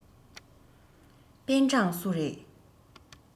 པེན ཀྲང སུ རེད